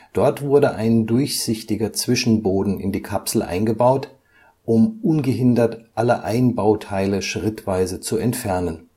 Dort wurde ein durchsichtiger Zwischenboden in die Kapsel eingebaut, um ungehindert alle Einbauteile schrittweise zu entfernen